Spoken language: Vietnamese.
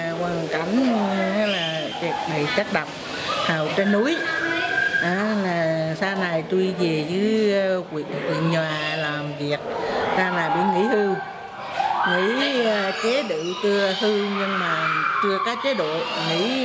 thì hoàn cảnh như là việc này các bậc hào trên núi á là sau này tui gì dứa huyện nhà làm việc và nghỉ hưu nghỉ chế độ chưa hư nhưng mà chưa có chế độ nghỉ